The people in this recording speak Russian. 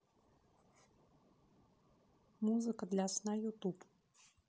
музыка для сна youtube